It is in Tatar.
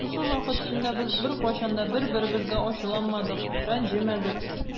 Шушы вакыт эчендә без беркайчан да бер-беребезгә ачуланмадык, рәнҗемәдек.